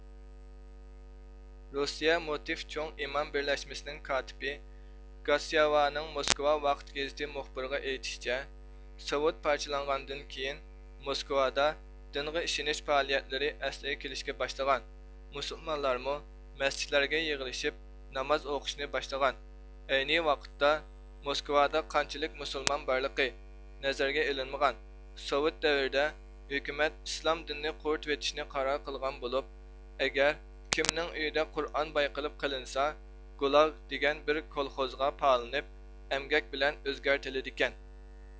رۇسىيە مۇتىف چوڭ ئىمام بىرلەشمىسىنىڭ كاتىپى گاتسىيەۋانىڭ موسكۋا ۋاقىت گېزىتى مۇخبىرىغا ئېيتىشىچە سوۋېت پارچىلانغاندىن كېيىن موسكۋادا دىنغا ئىشىنىش پائالىيەتلىرى ئەسلىگە كېلىشكە باشلىغان مۇسۇلمانلارمۇ مەسچىتلەرگە يىغىلىشىپ ناماز ئۇقۇشنى باشلىغان ئەينى ۋاقىتتا موسكۋادا قانچىلىك مۇسۇلمان بارلىقى نەزەرگە ئېلىنمىغان سوۋېت دەۋرىدە ھۆكۈمەت ئىسلام دىنىنى قۇرۇتۇۋېتىشنى قارار قىلغان بولۇپ ئەگەر كىمنىڭ ئۆيىدە قۇرئان بايقىلىپ قېلىنسا گۇلاگ دېگەن بىر كولخوزغا پالىنىپ ئەمگەك بىلەن ئۆزگەرتىلىدىكەن